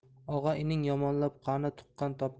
og'a ining yomoniab qani tuqqan